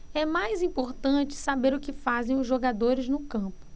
é mais importante saber o que fazem os jogadores no campo